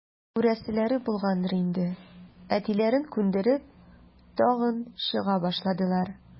Күрәселәре булгандыр инде, әтиләрен күндереп, тагын чыга башладылар.